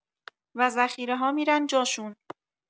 و ذخیره‌ها می‌رن جاشون